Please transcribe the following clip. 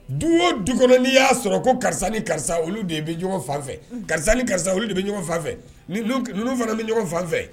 Du duk'i y'a sɔrɔ ko karisa ni karisa olu de bɛ ɲɔgɔn fanfɛ karisa ni karisa olu de bɛ ɲɔgɔn fanfɛ fana bɛ ɲɔgɔn fanfɛ